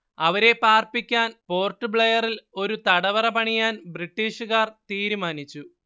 അവരെ പാർപ്പിക്കാൻ പോർട്ട് ബ്ലെയറിൽ ഒരു തടവറ പണിയാൻ ബ്രിട്ടീഷുകാർ തീരുമാനിച്ചു